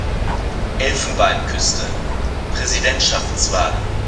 Elfenbeinküste: Präsidentschaftswahlen